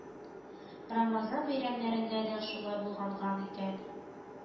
Рамазан бәйрәмнәрендә дә шулай булганган икән